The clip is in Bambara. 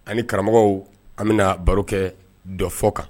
An ni karamɔgɔw an bɛna baro kɛ dɔfɔ kan